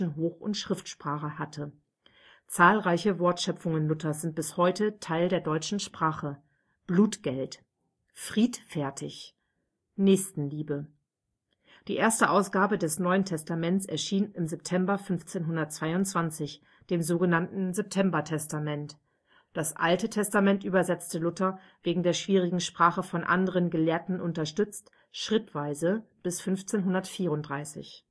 Hoch - und Schriftsprache hatte. Zahlreiche Wortschöpfungen Luthers sind bis heute Teil der deutschen Sprache: „ Blutgeld “,„ friedfertig “,„ Nächstenliebe “. Die erste Ausgabe des Neuen Testaments erschien im September 1522 („ Septembertestament “). Das Alte Testament übersetzte Luther, wegen der schwierigen Sprache von anderen Gelehrten unterstützt, schrittweise bis 1534